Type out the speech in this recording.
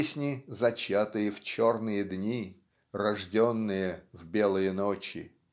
песни, "зачатые в черные дни, рожденные в белые ночи".